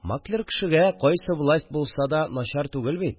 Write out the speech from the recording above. Маклер кешегә кайсы власть булса да начар түгел бит